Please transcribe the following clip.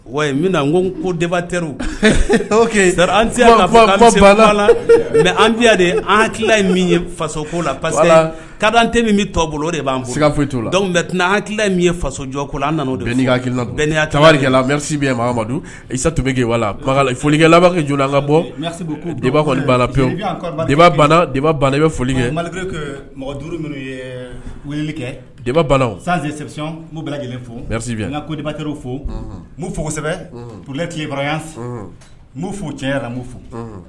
Wa bɛna na ko ko denbatɛr la mɛ an tiya de an tilala ye ko la parce katɛ min bɛ tɔ bolo de b'an ska foyi bɛ an tila min ye faso jɔko la an nana'ya tari lasibimadu isatu bɛlaba kɛ jɔ ka bɔba pe i bɛ foli mɔgɔ duuru minnu weele kɛba san bɛ lajɛlen fobi an kobatɛ fo fosɛbɛti fo tiɲɛyara fo